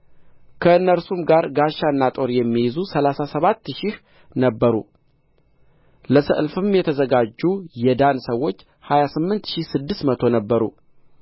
ከእነርሱም ጋር ጋሻና ጦር የሚይዙ ሠላሳ ሰባት ሺህ ነበሩ ለሰልፍም የተዘጋጁ የዳን ሰዎች ሃያ ስምንት ሺህ ስድስት መቶ ነበሩ